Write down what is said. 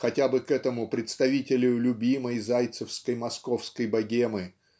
хотя бы к этому представителю любимой зайцевской московской богемы